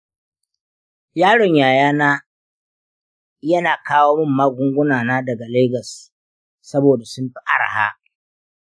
yaron yaya na yana kawo min magunguna na daga lagos saboda sun fi arha.